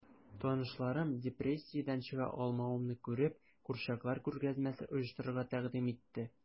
Танышларым, депрессиядән чыга алмавымны күреп, курчаклар күргәзмәсе оештырырга тәкъдим итте...